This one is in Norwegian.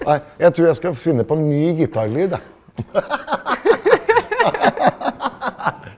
nei jeg trur jeg skal finne på en ny gitarlyd jeg .